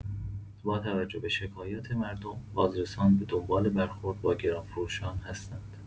با توجه به شکایات مردم، بازرسان به دنبال برخورد با گران‌فروشان هستند.